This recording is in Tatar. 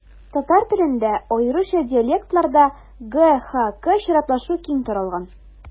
Татар телендә, аеруча диалектларда, г-х-к чиратлашуы киң таралган.